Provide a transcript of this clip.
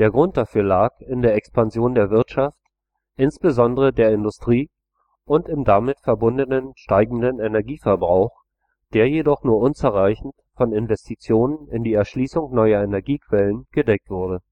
Grund dafür lag in der Expansion der Wirtschaft, insbesondere der Industrie, und im damit verbundenen steigenden Energieverbrauch, der jedoch nur unzureichend von Investitionen in die Erschließung neuer Energiequellen gedeckt wurde